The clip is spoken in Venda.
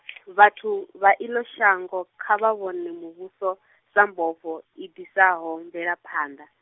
vhathu, vha iḽo shango, kha vha vhone muvhuso, sa mbofho, i ḓisaho, mvelaphanḓa.